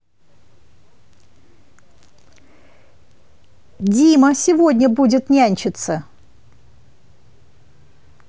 дима сегодня будет нянчиться